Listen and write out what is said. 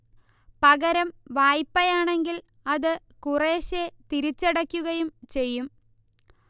പകരം വായ്പയാണെങ്കിൽ അത് കുറേശേ തിരിച്ചടയ്ക്കുകയും ചെയ്യും